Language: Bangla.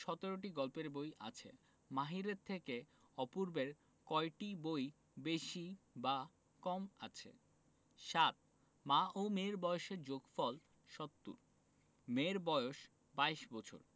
১৭টি গল্পের বই আছে মাহিরের থেকে অপূর্বের কয়টি বই বেশি বা কম আছে ৭ মা ও মেয়ের বয়সের যোগফল ৭০ মেয়ের বয়স ২২ বছর